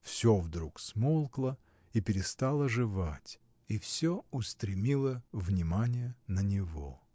Всё вдруг смолкло и перестало жевать, и всё устремило внимание на него.